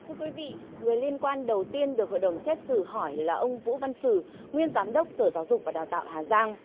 thưa quý vị người liên quan đầu tiên được hội đồng xét xử hỏi là ông vũ văn sử nguyên giám đốc sở giáo dục và đào tạo hà giang